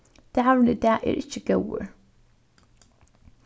dagurin í dag er ikki góður